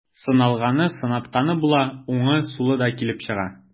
Сыналганы, сынатканы була, уңы, сулы да килеп чыга.